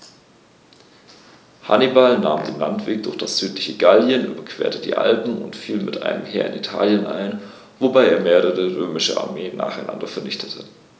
Hannibal nahm den Landweg durch das südliche Gallien, überquerte die Alpen und fiel mit einem Heer in Italien ein, wobei er mehrere römische Armeen nacheinander vernichtete.